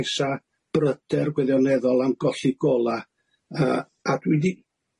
nesa bryder gwyddoneddol am golli gola' yy a dwi 'di